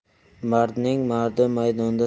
mardning mardi maydonda